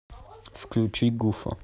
включи гуфа